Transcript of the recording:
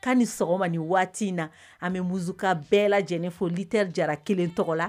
K'a ni sɔgɔma ni waati in na an bɛ Musuka bɛɛ lajɛlen fo Lutteur Jara kelen tɔgɔ la